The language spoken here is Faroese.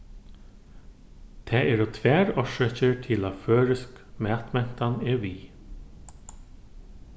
tað eru tvær orsøkir til at føroysk matmentan er við